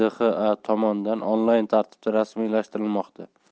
dxa tomonidan onlayn tartibda rasmiylashtirilmoqda